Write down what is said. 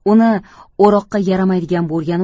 uni o'roqqa yaramaydigan bo'lgani